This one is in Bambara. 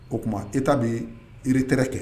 O tuma e t taa bɛ iri tɛ kɛ